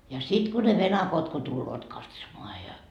ja sitten kun ne venakot kun tulevat katsomaan ja